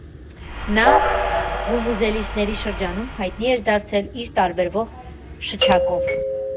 Նա վուվուզելիստների շրջանում հայտնի էր դարձել իր տարբերվող շչակով.